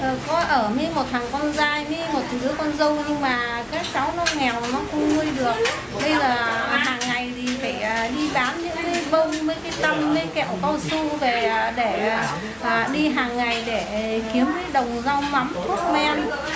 có ở với một thằng con giai mí một đứa con dâu nhưng mà các cháu nó nghèo nó không nuôi được bây giờ hàng ngày thì mẹ đi bán những cái bông mới cái tăm mới kẹo su về để đi hằng ngày để kiếm lấy đồng rau mắm thuốc men